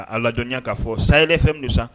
A lajya k'a fɔ sayaɛlɛ fɛn mu san